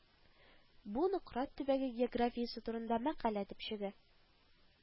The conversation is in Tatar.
Бу Нократ төбәге географиясе турында мәкалә төпчеге